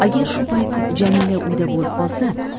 agar shu payt jamila uyda bo'lib qolsa